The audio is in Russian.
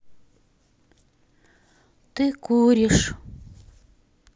ты куришь